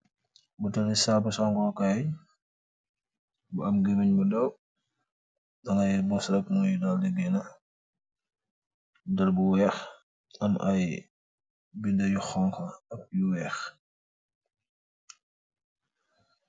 Butehli saabu sangor kaii bu am gehmengh bu ndaw, dangai boss rk mui dorre di gehnah, butehll bu wekh am aiiy binda yu honha ak yu wekh.